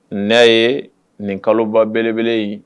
Na ye nin kaloba belebele yen